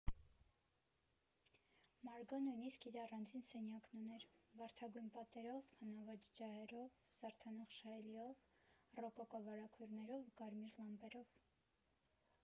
Մարգոն նույնիսկ իր առանձին սենյակն ուներ՝ վարդագույն պատերով, հնաոճ ջահերով, զարդանախշ հայելիով, ռոկոկո վարագույրներով ու կարմիր լամպերով։